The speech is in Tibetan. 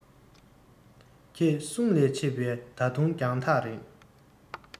ཁྱེད གསུང ལས མཆེད པའི ད དུང རྒྱང ཐག རིང